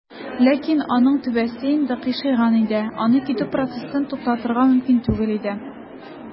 Ләкин аның түбәсе инде "кыйшайган" иде, аның китү процессын туктатырга мөмкин түгел иде.